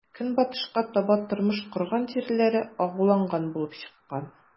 Көнбатышка таба тормыш корган җирләре агуланган булып чыккан.